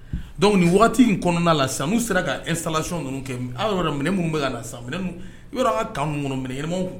Dɔnku ni waati in kɔnɔna la sa sera ka e salay ninnu kɛ aw yɔrɔ minɛ bɛ la sa yɔrɔ ka kan kɔnɔ minɛma